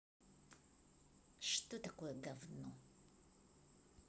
что такое гавно